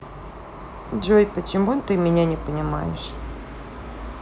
джой почему ты меня не понимаешь